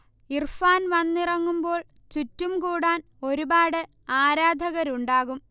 ഇർഫാൻ വന്നിറങ്ങുമ്പോൾ ചുറ്റും കൂടാൻ ഒരുപാട് ആരാധകരുണ്ടാകും